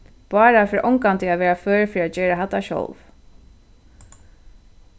bára fer ongantíð at vera før fyri at gera hatta sjálv